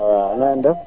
waaw na ngeen def